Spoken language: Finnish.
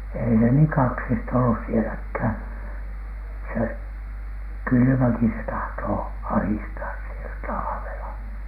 ei se niin kaksista ollut sielläkään se kylmäkin se tahtoo ahdistaa siellä talvella